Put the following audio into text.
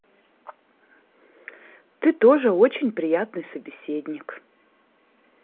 ты тоже очень приятный собеседник